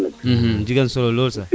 jegan solo lool